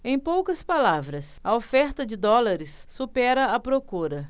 em poucas palavras a oferta de dólares supera a procura